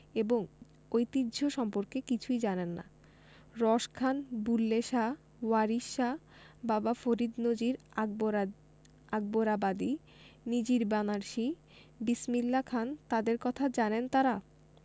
এবং ঐতিহ্য সম্পর্কে কিছুই জানেন না রস খান বুল্লে শাহ ওয়ারিশ শাহ বাবা ফরিদ নজির আকবরাবাদি নিজির বানারসি বিসমিল্লা খান তাঁদের কথা জানেন তাঁরা